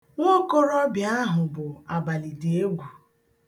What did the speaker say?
Nwaokoroọbịa ahụ bụ abalịdịegwu.